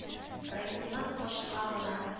Райкомнан башка гына